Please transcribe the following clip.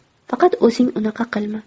faqat o'zing unaqa qilma